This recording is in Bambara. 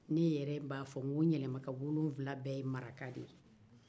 ne yɛrɛ b'o ko n yɛlɛmako wolowula bɛɛ ye maraka ye